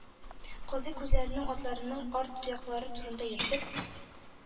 Казый, күзләрен атларның арт тояклары турында йөртеп: